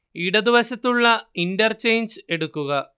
ഇടതുവശത്തുള്ള ഇന്റർചെയ്ഞ്ച് എടുക്കുക